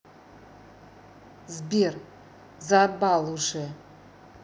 сбер заебал уже